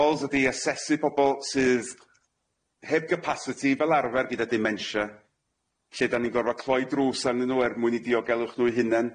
Dols ydi asesu pobol sydd heb gapasiti fel arfer gyda dimensha lle dan ni'n gor'o' cloi drws arnyn nw er mwyn 'i diogelwch nw'i hunen.